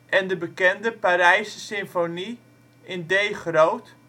en de bekende " Parijse " symfonie in D groot